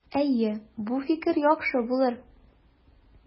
Әйе, бу фикер яхшы булыр.